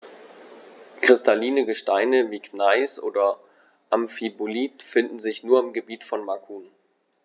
Kristalline Gesteine wie Gneis oder Amphibolit finden sich nur im Gebiet von Macun.